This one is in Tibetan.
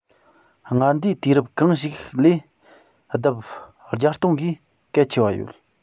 སྔར འདས དུས རབས གང ཞིག ལས ལྡབ བརྒྱ སྟོང གིས གལ ཆེ བ ཡོད